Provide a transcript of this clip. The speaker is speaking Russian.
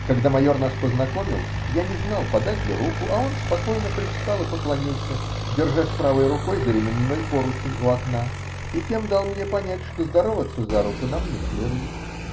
Когда майор нас познакомил, я не знал, подать ли руку, а он спокойно привстал и поклонился, держась правой рукой за ременной поручень у окна, и тем дал мне понять, что здороваться за руку нам не следует.